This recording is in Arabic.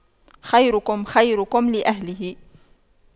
خيركم خيركم لأهله